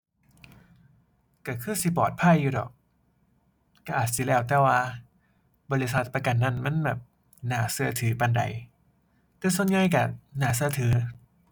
ก็คือสิปลอดภัยอยู่ดอก ก็อาจสิแล้วแต่ว่าบริษัทประกันนั้นมันแบบน่าก็ถือปานใด แต่ส่วนใหญ่ก็น่าก็ถือ